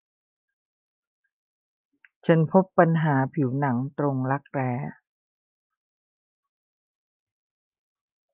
ฉันพบปัญหาผิวหนังตรงรักแร้